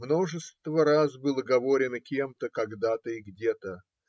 множество раз было говорено кем-то, когда-то и где-то